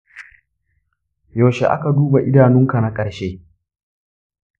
yaushe aka duba idanunka na ƙarshe?